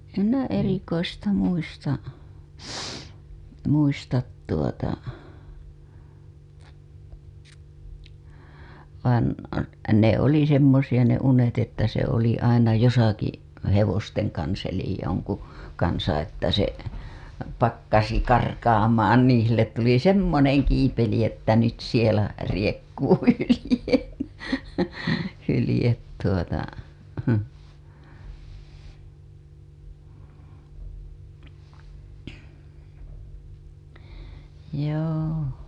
en minä erikoista muista muista tuota vaan ne oli semmoisia ne unet että se oli aina jossakin hevosten kanssa eli jonkun kanssa että se pakkasi karkaamaan niin sille tuli semmoinen kiipeli että nyt siellä riekkuu hylje hylkeet tuota joo